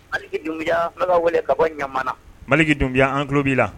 Maliki dunya ala wele ka bɔ ɲamana maliki dunya an tulolo b'i la